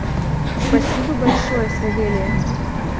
спасибо большое савелия